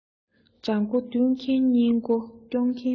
དགྲ མགོ འདུལ མཁན གཉེན མགོ སྐྱོང མཁན དགོས